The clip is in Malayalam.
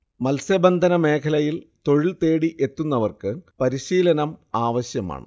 മത്സ്യബന്ധന മേഖലയിൽ തൊഴിൽതേടി എത്തുന്നവർക്ക് പരിശീലനം ആവശ്യമാണ്